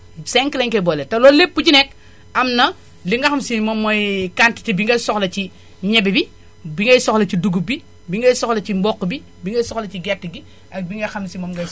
5 la ñu koy booleel te loolu lépp ku ci nekk am na li nga xam si moom mooy quantité bi nga soxla ci ñebe bi bi ngay soxla ci dugub bi bi ngay soxla ci mboq bi bi ngay soxla ci gerte gi ak bi nga xam si moom ngay